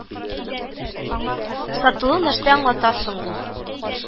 Сатылу нәрсә аңлата соң ул